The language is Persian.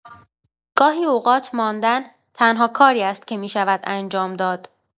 گاهی اوقات ماندن، تنها کاری است که می‌شود انجام داد.